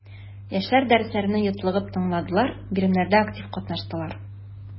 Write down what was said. Яшьләр дәресләрне йотлыгып тыңладылар, биремнәрдә актив катнаштылар.